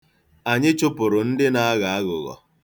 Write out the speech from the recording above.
Anyị chụpụrụ ndị na-aghọ aghụghọ.